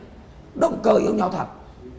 động cơ yêu nhau thật